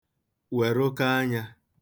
wèrụka anyā